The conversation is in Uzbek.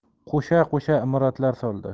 qo'sha qo'sha imoratlar soldi